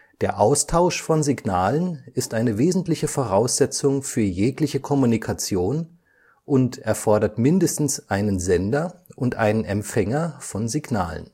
Der Austausch von Signalen ist eine wesentliche Voraussetzung für jegliche Kommunikation und erfordert mindestens einen Sender und einen Empfänger von Signalen